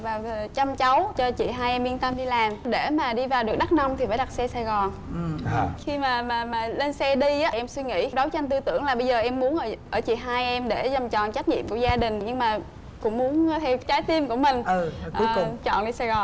chăm cháu cho chị hai em yên tâm đi làm để mà đi vào được đắc nông thì phải đặt xe sài gòn khi mà mà mà lên xe đi em suy nghĩ đấu tranh tư tưởng là bây giờ em muốn ở chị hai em để làm tròn trách nhiệm của gia đình nhưng mà cũng muốn theo trái tim của mình chọn đi sài gòn